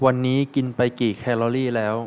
วันนี้กินไปกี่แคลอรี่แล้ว